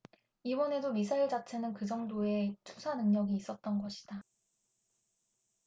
이번에도 미사일 자체는 그 정도의 투사능력이 있었던 것이다